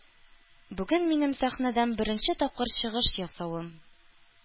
Бүген минем сәхнәдән беренче тапкыр чыгыш ясавым.